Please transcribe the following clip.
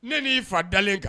Ne n y'i fa dalen kan